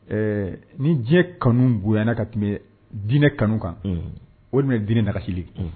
Ɛɛ ni diɲɛ kanu bonana ka tun bɛ diinɛ kanu kan o de bɛ diinɛ na